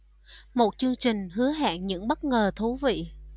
một chương trình hứa hẹn những bất ngờ thú vị